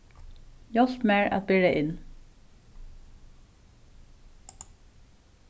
hjálp mær at bera inn